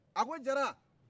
a ko jara